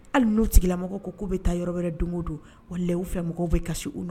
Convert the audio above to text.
Hali n'u tigila ko k'u bɛ taa yɔrɔ wɛrɛ don don wa lɛn u fɛ mɔgɔw bɛ kasi u nɔ